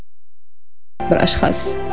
الاشخاص